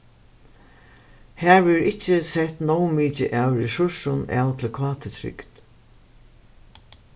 har verður ikki sett nóg mikið av resursum av til kt-trygd